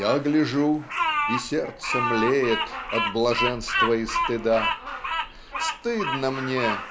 Я гляжу - и сердце млеет От блаженства и стыда. Стыдно мне